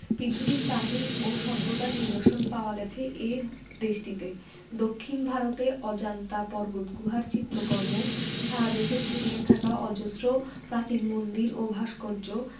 পৃথিবীর প্রাচীন ও সভ্যতার নিদর্শন পাওয়া গেছে এ দেশটিতে দক্ষিন ভারতে অজন্তা পর্বতগুহার চিত্রকর্ম সারা দেশে ছড়িয়ে থাকা অজস্র প্রাচীন মন্দির ও ভাস্কর্য